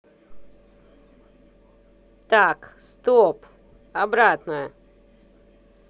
так стоп обратно